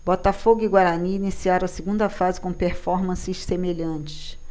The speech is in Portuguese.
botafogo e guarani iniciaram a segunda fase com performances semelhantes